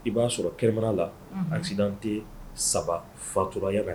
I b'a sɔrɔ kɛma la an tɛ saba faturaka